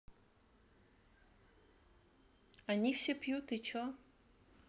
они все пьют и че